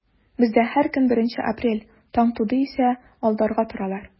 Бездә һәр көн беренче апрель, таң туды исә алдарга торалар.